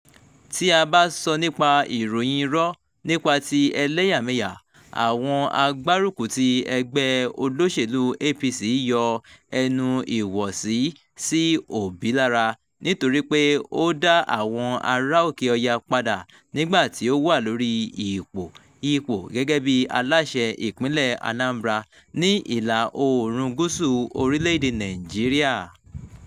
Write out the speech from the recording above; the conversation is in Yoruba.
Tí a bá sọ nípa ìròyìn irọ́ nípa ti ẹlẹ́yàmẹyà, àwọn agbárùkù ti ẹgbẹ́ olóṣèlúu APC yọ ẹnu ìwọ̀sí sí Obi lára nítorí pé ó dá àwọn ará òkè Ọya padà nígbà tí ó wà lórí ipò gẹ́gẹ́ bí aláṣẹ Ìpínlẹ̀ Anambra, ní ìlà-oòrùn gúúsù orílẹ̀-èdèe Nàìjíríà.